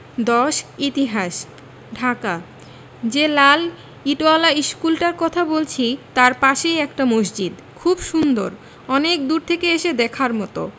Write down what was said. ১০ ইতিহাস ঢাকা যে লাল ইটোয়ালা ইশকুলটার কথা বলছি তাই পাশেই একটা মসজিদ খুব সুন্দর অনেক দূর থেকে এসে দেখার মতো